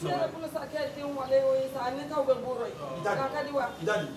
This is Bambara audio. Se bolosa tɛ mɔ ye sa' bɛ bolo yekali wa